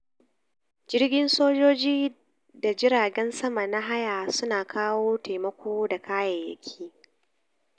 Jirgin sojoji da jiragen sama na haya su na kawo taimako da kayayyaki.